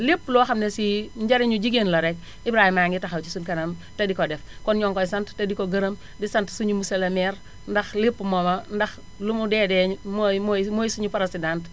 lépp loo xam ne sii njëriñu jigéen la rekk Ibrahima a ngi taxaw si suñ kanam di ko def kon ñoo ngi koy sant te di ko gërëm di sant suñu monsieur le maire ndax lépp mooma ndax lu mu dee dee mooy mooy mooy suñu présidente